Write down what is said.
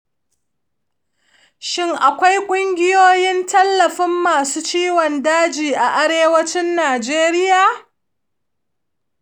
shin akwai ƙungiyoyin tallafin masu ciwon daji a arewacin najeriya?